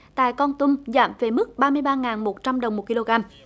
tại con tum giảm về mức ba mươi ba ngàn một trăm đồng một ki lô gam